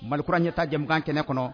Mali kurauran ɲɛ taa jamana kɛnɛ kɔnɔ